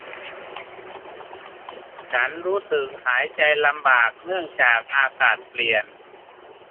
ฉันรู้สึกหายใจลำบากเนื่องจากอากาศเปลี่ยน